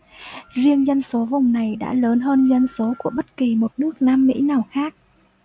riêng dân số vùng này đã lớn hơn dân số của bất kỳ một nước nam mỹ nào khác